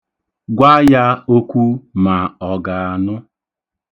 Gwa ya okwu ma ọ ga-anụ.